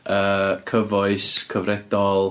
Yy cyfoes, cyfredol.